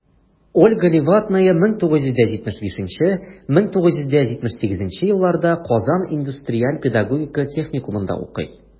Ольга Левадная 1975-1978 елларда Казан индустриаль-педагогика техникумында укый.